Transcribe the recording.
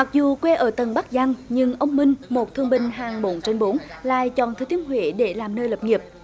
mặc dù quê ở tỉnh bắc giang nhưng ông minh một thương binh hạng bốn trên bốn lại chọn thừa thiên huế để làm nơi lập nghiệp